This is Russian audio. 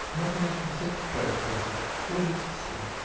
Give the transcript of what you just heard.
Оно, конечно, всякий вправе спросить: кто же эти все?